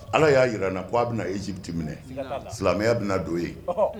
Ala y'a jirana ko' a bɛna na ezti minɛ silamɛya bɛna don ye